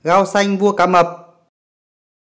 gao xanh vua cá mập